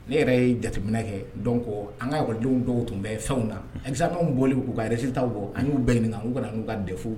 Ne yɛrɛ ye jateminɛ kɛ donc an ka _ école denw dɔw tun bɛɛ fɛnw na examen u bɔli k'u ka résultat u bɔ an ɲ'u bɛ ɲininka k'u kana ni u ka DEF